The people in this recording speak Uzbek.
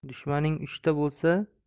dushmaning uchta bo'lsa